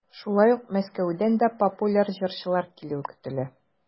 Шулай ук Мәскәүдән дә популяр җырчылар килүе көтелә.